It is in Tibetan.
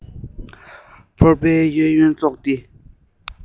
ཕོར པའི གཡས གཡོན དུ ཙོག སྟེ